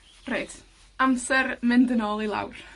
Reit, amser mynd yn ôl i lawr.